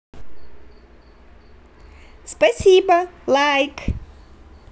спасибо like